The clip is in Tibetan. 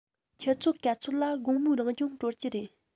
ཆུ ཚོད ག ཚོད ལ དགོང མོའི རང སྦྱོང གྲོལ གྱི རེད